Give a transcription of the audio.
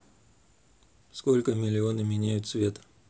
сколько миллионы меняют цвет